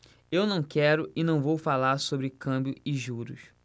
eu não quero e não vou falar sobre câmbio e juros